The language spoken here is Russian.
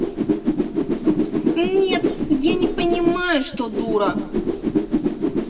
нет я не понимаю что дура